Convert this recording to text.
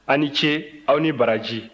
aw ni ce aw ni baraji